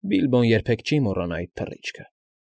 Բիլբոն երբեք չի մոռանա այդ թռիչքը։